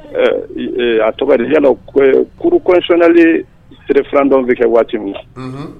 A tɔgɔ di I y'a dɔn cours constitutionnelle referendum bɛ kɛ waati min